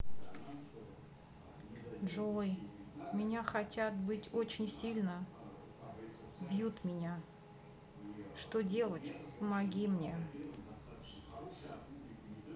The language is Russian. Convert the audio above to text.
джой меня хотят быть очень сильно бьют меня что делать помоги мне